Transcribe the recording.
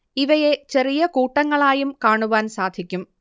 ഇവയെ ചെറിയ കൂട്ടങ്ങളായും കാണുവാൻ സാധിക്കും